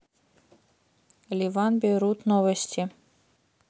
ливан бейрут новости